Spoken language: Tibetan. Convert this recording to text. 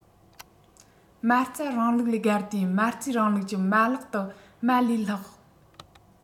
མ རྩ རིང ལུགས ལས བརྒལ ཏེ མ རྩའི རིང ལུགས ཀྱི མ ལག ཏུ མ ལས ལྷག